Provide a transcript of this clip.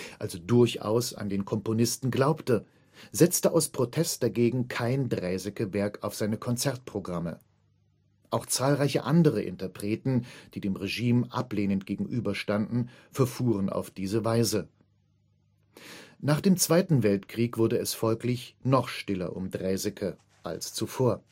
also durchaus an den Komponisten glaubte, setzte aus Protest dagegen kein Draeseke-Werk auf seine Konzertprogramme. Auch zahlreiche andere Interpreten, die dem Regime ablehnend gegenüber standen, verfuhren auf diese Weise. Nach dem Zweiten Weltkrieg wurde es folglich noch stiller um Draeseke als zuvor